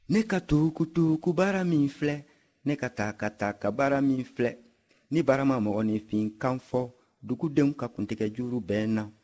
ne ka tukutukubara min filɛ ne ka takatakabara min filɛ ni bara ma mɔgɔninfinkan fɔ dugudenw ka kuntigɛjuru bɛ n na